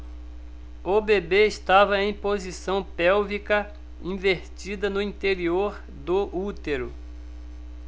o bebê estava em posição pélvica invertida no interior do útero